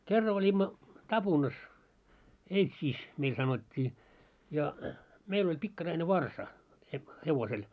kerran olimme tapunassa eitsissä meillä sanottiin ja meillä oli pikkarainen varsa - hevosella